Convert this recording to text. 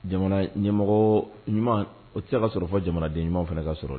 Jamana ɲɛmɔgɔ ɲuman o tɛ ka sɔrɔ jamanaden ɲuman fana ka sɔrɔ